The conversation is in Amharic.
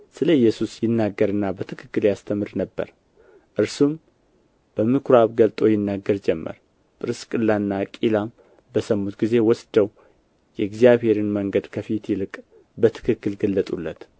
ስለ ኢየሱስ ይናገርና በትክክል ያስተምር ነበር እርሱም በምኵራብ ገልጦ ይናገር ጀመር ጵርስቅላና አቂላም በሰሙት ጊዜ ወስደው የእግዚአብሔርን መንገድ ከፊት ይልቅ በትክክል ገለጡለት